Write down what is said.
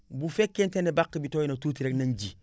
bu fekkente ne bàq bi tooy na tuuti rek nañu ji